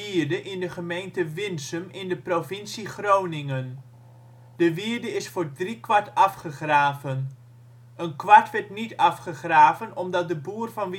wierde in de gemeente Winsum in de provincie Groningen. De wierde is voor driekwart afgegraven. Een kwart werd niet afgegraven omdat de boer van